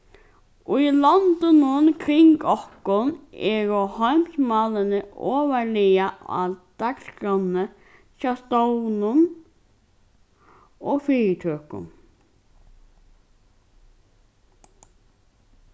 í londunum kring okkum eru heimsmálini ovarlaga á dagsskránni hjá stovnum og fyritøkum